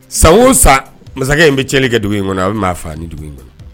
San o sa masakɛ in bɛ cɛli kɛ dugu in kɔnɔ a bɛ maa faa ni dugu in kɔnɔ